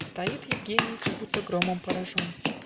Стоит Евгений, Как будто громом поражен.